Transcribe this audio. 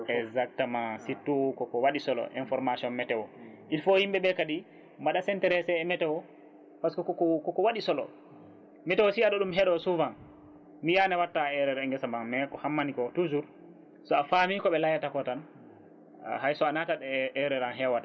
exactement surtout koko waɗi solo information météo il faut yimɓeɓe kadi mbaɗa s' intérêssé e météo par ce que koko koko waɗi solo météo si aɗa ɗum heeɗo souvent wiiyani a watta erreur e guesa ma mais ko hammani ko toujours sa faami kooɓe layata ko tan hayso a naatat e erreur a heewata